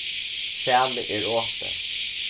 skjalið er opið